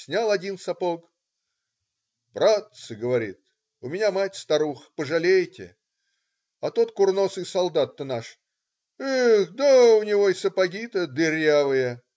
Снял один сапог: "Братцы,- говорит,- у меня мать-старуха, пожалейте!" А тот курносый солдат-то наш: "Эх, да у него и сапоги-то дырявые.